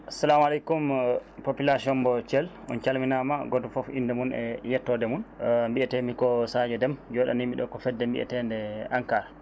salamu aleykum population mo Thiel on calminama goto foof inde mum e yettode mum mbiyatemi ko Sadio Déme njoɗanimi ɗo ko fedde mbiyatede ANCARE